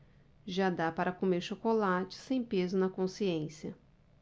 já dá para comer chocolate sem peso na consciência